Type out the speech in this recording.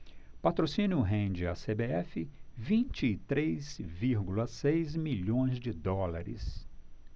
patrocínio rende à cbf vinte e três vírgula seis milhões de dólares